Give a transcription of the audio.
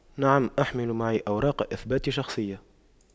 نعم احمل معي أوراق اثبات شخصية